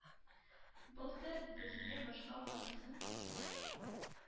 Былтыр бөтенләй башка баласын